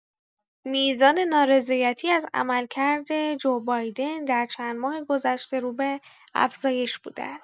میزان نارضایتی از عملکرد جو بایدن در چند ماه گذشته رو به افزایش بوده است.